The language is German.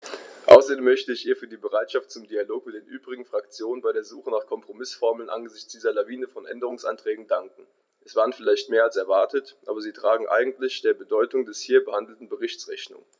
Außerdem möchte ich ihr für ihre Bereitschaft zum Dialog mit den übrigen Fraktionen bei der Suche nach Kompromißformeln angesichts dieser Lawine von Änderungsanträgen danken; es waren vielleicht mehr als erwartet, aber sie tragen eigentlich der Bedeutung des hier behandelten Berichts Rechnung.